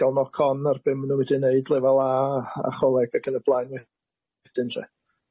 i ga'l noc on ar be' ma' nw wedi neud lefel a a choleg ag yn y blaen wedyn 'lly.